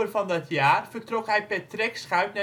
van dat jaar vertrok hij per trekschuit